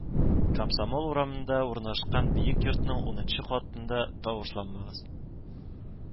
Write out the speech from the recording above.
Комсомол урамында урнашкан биек йортның унынчы катында Тавышланмагыз